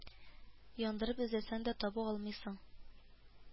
Яндырып эзләсәң дә таба алмыйсың